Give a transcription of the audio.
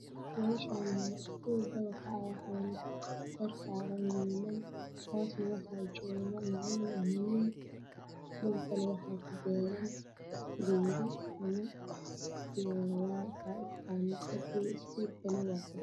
Meeshan waxaa jooga arday saaran dabaq midafkiisii hay-addaan hoos waxaa joogo macalin wata shati midabkiisu yahay qaxwi cows ayaa ka baxaayo